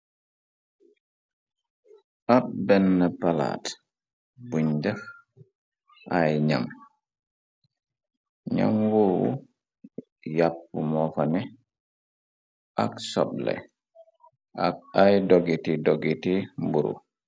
ab benn palaat buñ def ay ñam ñam woowu yàpp moo fane ak soble kay dogiti dogiti mburu